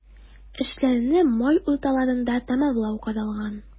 Эшләрне май урталарына тәмамлау каралган.